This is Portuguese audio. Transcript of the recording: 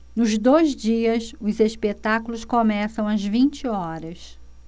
nos dois dias os espetáculos começam às vinte horas